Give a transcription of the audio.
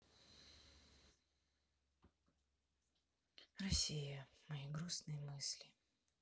россия мои грустные мысли